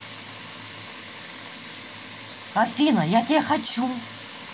афина я тебя хочу